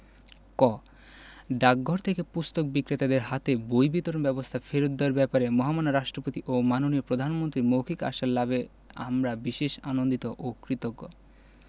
ক ডাকঘর থেকে পুস্তক বিক্রেতাদের হাতে বই বিতরণ ব্যবস্থা ফেরত দেওয়ার ব্যাপারে মহামান্য রাষ্ট্রপতি ও মাননীয় প্রধানমন্ত্রীর মৌখিক আশ্বাস লাভে আমরা বিশেষ আনন্দিত ও কৃতজ্ঞ